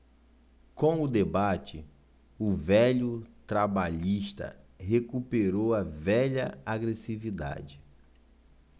com o debate o velho trabalhista recuperou a velha agressividade